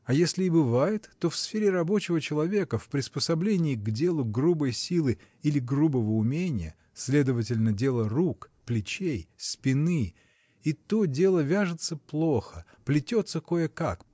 А если и бывает, то в сфере рабочего человека, в приспособлении к делу грубой силы или грубого уменья, следовательно, дело рук, плечей, спины: и то дело вяжется плохо, плетется кое-как